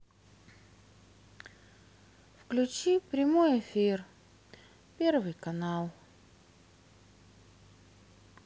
включи прямой эфир первый канал